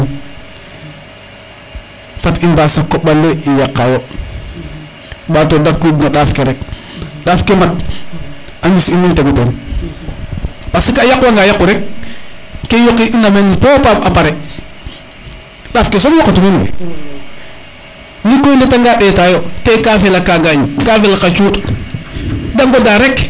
fat i mbasa a koɓale i yaqa yo mbato dakwiid no ndaaf ke rek ndaaf ke mat a ñis in i tegu ten parce que a yaq wanga yaqu rek ke i yoqiɗ ina men fopa pare ndaaf ke soom yoqatu men fe ndiki koy i ndeta nga ndeta yo te ka fela kagañ ka fel xa cuuɗ de ngoda rek